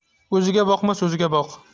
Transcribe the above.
o'ziga boqma so'ziga boq